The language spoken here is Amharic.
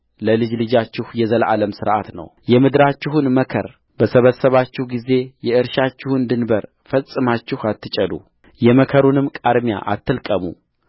ለልጅ ልጃችሁ የዘላለም ሥርዓት ነውየምድራችሁንም መከር በሰበሰባችሁ ጊዜ የእርሻችሁን ድንበር ፈጽማችሁ አትጨዱ የመከሩንም ቃርሚያ አትልቀሙ